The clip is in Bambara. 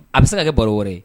A bɛ se ka kɛ baro wɛrɛ ye